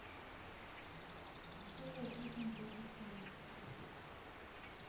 веселые песни для девчонок